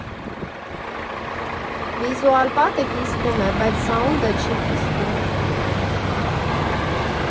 Վիզուալ պատը կիսվում է, բայց սաունդը չի կիսվում.